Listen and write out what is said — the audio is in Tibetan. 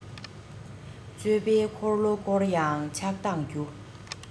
རྩོད པའི འཁོར ལོ སྐོར ཡང ཆགས སྡང རྒྱུ